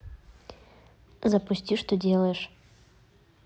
запусти что делаешь